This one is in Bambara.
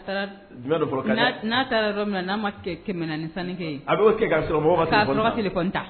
N'a taara yɔrɔ minna n'a ma kɛ ni sanu a bɛ kɛ kaba kelentan